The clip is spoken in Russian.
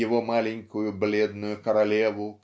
его маленькую бледную королеву